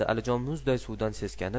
alijon muzday suvdan seskanib